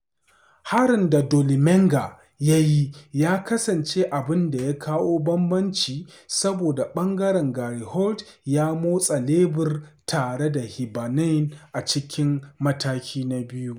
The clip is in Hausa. Harin da Dolly Menga ya yi ya kasance abin da kawo bambanci saboda ɓangaren Gary Holt ya motsa lebur tare da Hibernian a cikin mataki na biyu.